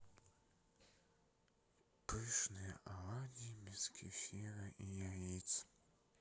пышные оладьи без кефира и яиц